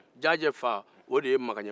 jajɛ fa ye makan ye